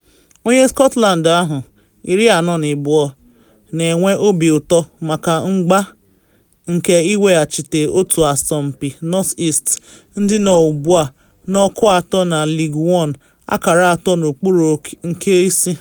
Onye Scotland ahụ, 42, na enwe obi ụtọ maka mgba nke iweghachite otu asọmpi North-East, ndị nọ ugbu a n’ọkwa atọ na League One, akara atọ n’okpuru nke isi.